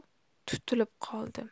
tutilib qoldi